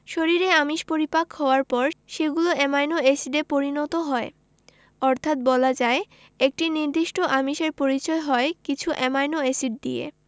শরীরে আমিষ পরিপাক হওয়ার পর সেগুলো অ্যামাইনো এসিডে পরিণত হয় অর্থাৎ বলা যায় একটি নির্দিষ্ট আমিষের পরিচয় হয় কিছু অ্যামাইনো এসিড দিয়ে